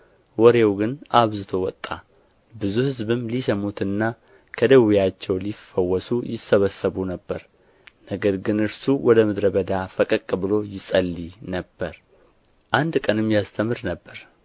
ወሬው ግን አብዝቶ ወጣ ብዙ ሕዝብም ሊሰሙትና ከደዌአቸው ሊፈወሱ ይሰበሰቡ ነበር ነገር ግን እርሱ ወደ ምድረ በዳ ፈቀቅ ብሎ ይጸልይ ነበር አንድ ቀንም ያስተምር ነበር